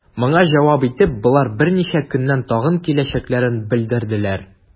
Моңа җавап итеп, болар берничә көннән тагын киләчәкләрен белдерделәр.